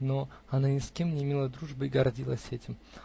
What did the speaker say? но она ни с кем не имела дружбы и гордилась этим.